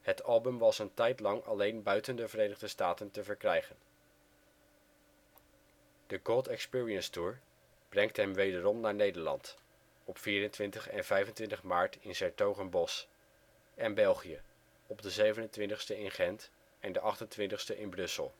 Het album was een tijd lang alleen buiten de Verenigde Staten te verkrijgen. The Gold Experience Tour brengt hem wederom naar Nederland (24 en 25 maart in ' s-Hertogenbosch) en België (27e in Gent en de 28e in Brussel).